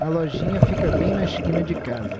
a lojinha fica bem na esquina de casa